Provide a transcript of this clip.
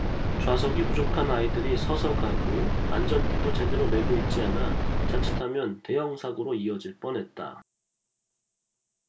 좌석이 부족한 아이들이 서서 가고 안전띠도 제대로 매고 있지 않아 자칫하면 대형사고로 이어질 뻔했다